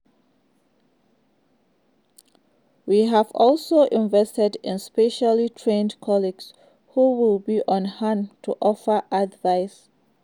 We've also invested in specially trained colleagues who will be on hand to offer advice.